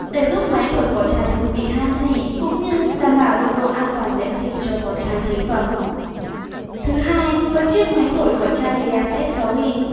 để giúp máy thổi vỏ chai không bị han gỉ cũng như đảm bảo được độ an toàn vệ sinh cho vỏ chai thành phẩm thứ hai với chiếc máy thổi vỏ chai vapet